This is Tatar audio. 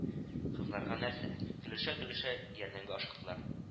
Кызларга нәрсә, көлешә-көлешә, ярдәмгә ашыктылар